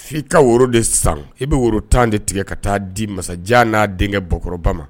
F'i ka woro de san i bɛ woro 10 de tigɛ ka taa di Masajan n'a denkɛ Bakɔrɔbaba ma